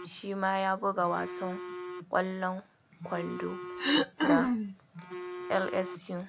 shi ma ya buga wasan ƙwallon kwando ga LSU.